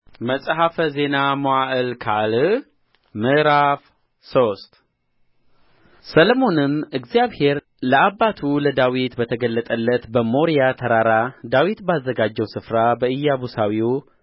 መጽሐፈ ዜና መዋዕል ካልዕ ምዕራፍ ሶስት ሰሎሞንም እግዚአብሔር ለአባቱ ለዳዊት በተገለጠበት በሞሪያ ተራራ ዳዊት ባዘጋጀው ስፍራ በኢያቡሳዊው